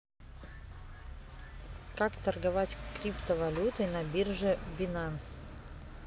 как торговать криптовалютой на бирже binance